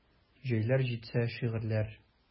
Җәйләр җитсә: шигырьләр.